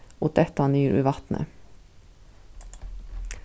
og detta niður í vatnið